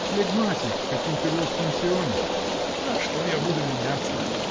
флегматик, каким ты был в пансионе. -- На что я буду меняться?